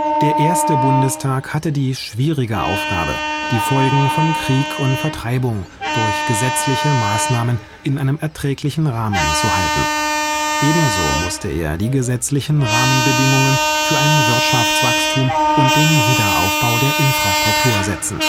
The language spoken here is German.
Der 1. Bundestag hatte die schwierige Aufgabe, die Folgen von Krieg und Vertreibung durch gesetzliche Maßnahmen in einem erträglichem Rahmen zu halten. Ebenso musste er die gesetzlichen Rahmenbedingungen für ein Wirtschaftswachstum und den Wiederaufbau der Infrastruktur setzen